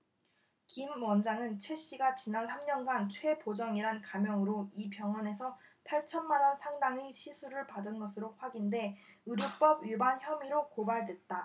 김 원장은 최씨가 지난 삼 년간 최보정이란 가명으로 이 병원에서 팔천 만원 상당의 시술을 받은 것으로 확인돼 의료법 위반 혐의로 고발됐다